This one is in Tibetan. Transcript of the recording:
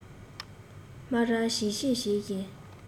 སྨ ར བྱིལ བྱིལ བྱེད བཞིན